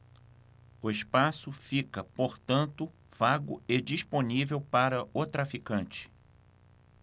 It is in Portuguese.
o espaço fica portanto vago e disponível para o traficante